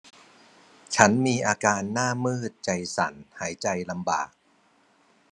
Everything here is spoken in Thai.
ฉันมีอาการหน้ามืดใจสั่นหายใจลำบาก